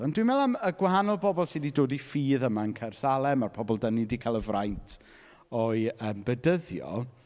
Ond dwi'n meddwl am y gwahanol bobl sy 'di dod i ffydd yma yn Caersalem a'r pobl dan ni 'di cael y fraint o'u yym bedyddio.